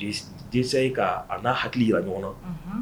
Di disɛ ka a na hakili yira ɲɔgɔn na. Unhun